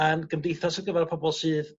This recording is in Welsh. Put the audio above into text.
yn gymdeithas ar gyfar pobol sydd